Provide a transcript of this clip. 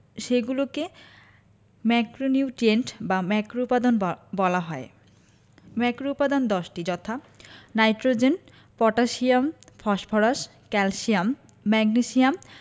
সেগুলোকে ম্যাক্রোনিউট্রিয়েন্ট বা ম্যাক্রোউপাদান বলা হয় ম্যাক্রোউপাদান 10টি যথা nitrogen potassium phosphorus calcium magnesium